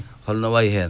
holno wayi heen